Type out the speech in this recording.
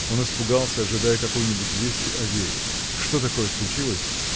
Он испугался, ожидая какой-нибудь вести о Вере. — Что такое случилось?